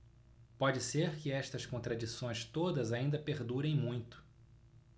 pode ser que estas contradições todas ainda perdurem muito